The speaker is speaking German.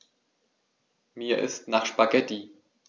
Mir ist nach Spaghetti.